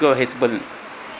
ɗo hes*